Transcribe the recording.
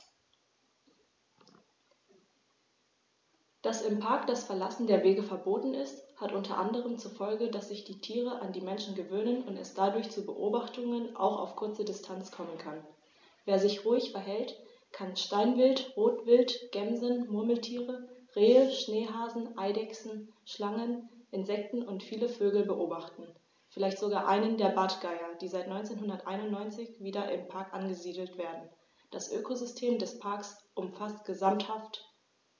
Dass im Park das Verlassen der Wege verboten ist, hat unter anderem zur Folge, dass sich die Tiere an die Menschen gewöhnen und es dadurch zu Beobachtungen auch auf kurze Distanz kommen kann. Wer sich ruhig verhält, kann Steinwild, Rotwild, Gämsen, Murmeltiere, Rehe, Schneehasen, Eidechsen, Schlangen, Insekten und viele Vögel beobachten, vielleicht sogar einen der Bartgeier, die seit 1991 wieder im Park angesiedelt werden. Das Ökosystem des Parks umfasst gesamthaft mehrere tausend Tier- und Pflanzenarten, von unscheinbaren Kleinstlebewesen bis zum Braunbär, der Ende Juli 2005, nach rund 90 Jahren Abwesenheit, wieder in der Schweiz gesichtet wurde.